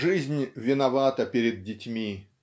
Жизнь виновата перед детьми.